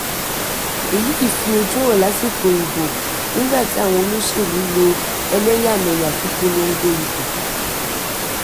Èyí fi ojú hàn lásìkò ìbò nígbàtí àwọn olóṣèlú lo ẹlẹ́yàmẹ́lẹ́yá fi polongo ìbò.